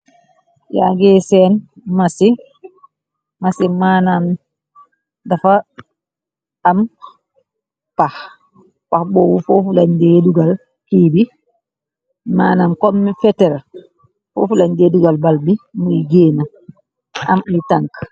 Yangeh sehnn masine, manam dafa am pahh, pahh bobu fofu len dae dugal kiy bi, manam kom fetehl, fofu len dae dugal bal bi muy genah am ee tankah.